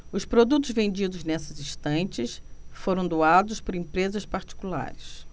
os produtos vendidos nestas estantes foram doados por empresas particulares